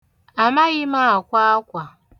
Amaghị m akwa akwa.